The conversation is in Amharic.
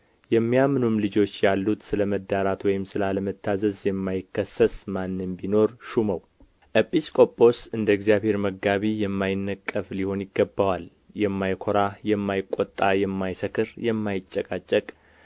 የሚያምኑም ልጆች ያሉት ስለ መዳራትም ወይም ስለ አለመታዘዝ የማይከሰስ ማንም ቢኖር ሹመው ኤጲስ ቆጶስ እንደ እግዚአብሔር መጋቢ የማይነቀፍ ሊሆን ይገባዋልና የማይኮራ የማይቆጣ የማይሰክር የማይጨቃጨቅ